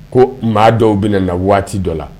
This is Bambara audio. Ko maa dɔw bɛna na waati dɔ la